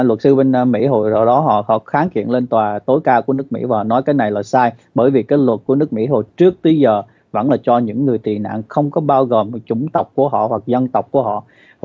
luật sư vinh nam mỹ hồi đó họ hoặc kháng kiện lên tòa tối cao của nước mỹ và nói cái này là sai bởi việc kết luận của nước mỹ hồi trước tới giờ vẫn là cho những người tị nạn không có bao gồm một chủng tộc của họ hoặc dân tộc của họ